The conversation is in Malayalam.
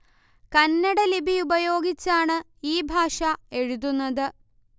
കന്നട ലിപി ഉപയോഗിച്ചാണ് ഈ ഭാഷ എഴുതുന്നത്